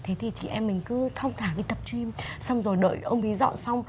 thế thì chị em mình cứ thong thả đi tập dim xong rồi đợi ông ý dọn xong